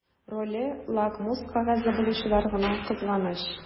Роле лакмус кәгазе булучылар гына кызганыч.